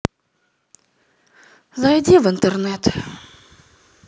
зайди в интернет